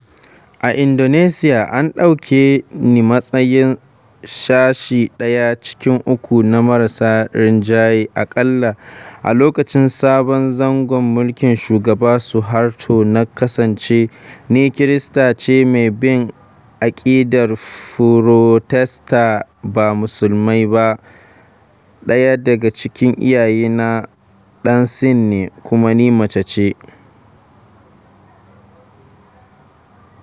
A Indonesiya, an ɗauke ni matsayin sashi ɗaya cikin uku na marasa rinjaye— aƙalla, a lokacin sabon zangon mulkin Shugaba Suharto na kasance: Ni Kirista ce mai bin aƙidar Furotesta, ba Musulma ba, ɗaya daga cikin iyaye na ɗan Sin ne, kuma Ni mace ce.